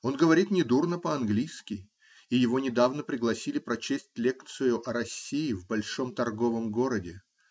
Он говорит недурно по-английски, и его недавно пригласили прочесть лекцию о России в большом торговом городе.